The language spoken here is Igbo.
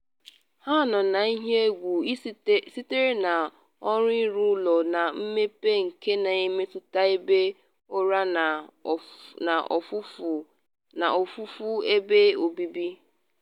Ha nọ n’ihe iyi egwu sitere na ọrụ ịrụ ụlọ na mmepe nke na-emetụta ebe ụra na ofufu ebe obibi.